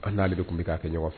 An n'ale tun bɛ kɛ a kɛ ɲɔgɔn fɛ